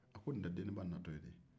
nin tɛ deniba natɔ ye de